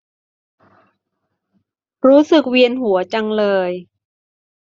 รู้สึกเวียนหัวจังเลย